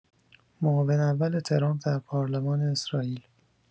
معاون‌اول ترامپ در پارلمان اسرائیل